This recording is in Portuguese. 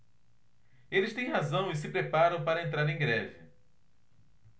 eles têm razão e se preparam para entrar em greve